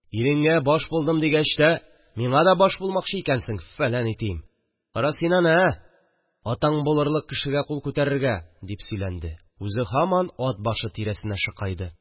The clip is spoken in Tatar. – иреңә баш булдым дигәч тә... миңа да баш булмакчы икәнсең, фәлән итим... кара син аны, ә? атаң булырлык кешегә кул күтәрергә... – дип сөйләнде, үзе һаман ат башы тирәсенә шыкайды